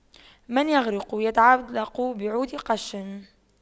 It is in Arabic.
من يغرق يتعلق بعود قش